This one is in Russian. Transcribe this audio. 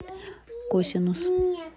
косинус